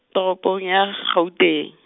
toropong ya, Gauteng.